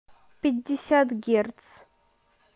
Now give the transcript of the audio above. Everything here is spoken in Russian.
пятьдесят герц